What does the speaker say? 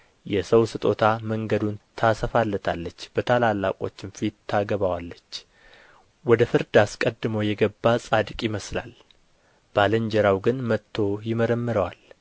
የሰው ስጦታ መንገዱን ታሰፋለታለች በታላላቆችም ፊት ታገባዋለች ወደ ፍርድ አስቀድሞ የገባ ጻድቅ ይመስላል ባልንጀራው ግን መጥቶ ይመረምረዋል